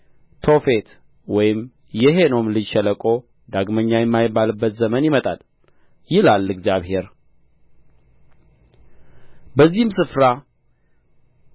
ቶፌት ወይም የሄኖም ልጅ ሸለቆ ዳግመኛ የማይባልበት ዘመን ይመጣል ይላል እግዚአብሔር በዚህም ስፍራ